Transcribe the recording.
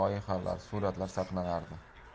loyihalar suratlar saqlanardi